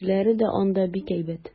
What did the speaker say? Кешеләре дә анда бик әйбәт.